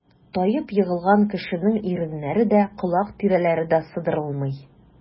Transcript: Таеп егылган кешенең иреннәре дә, колак тирәләре дә сыдырылмый.